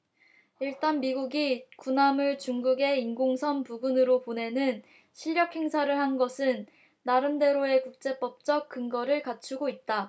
일단 미국이 군함을 중국의 인공섬 부근으로 보내는 실력행사를 한 것은 나름대로의 국제법적 근거를 갖추고 있다